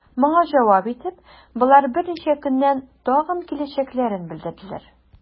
Моңа җавап итеп, болар берничә көннән тагын киләчәкләрен белдерделәр.